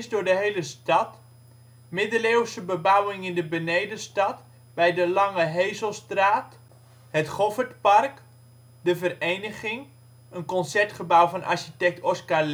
door de hele stad middeleeuwse bebouwing in de Benedenstad, bij de Lange Hezelstraat Goffertpark De Vereeniging, concertgebouw van architect Oscar